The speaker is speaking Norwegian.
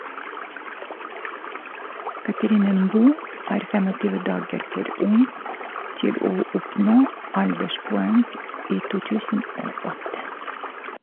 Catherine Ngo er 25 dager for ung til å oppnå alderspoeng i 2008.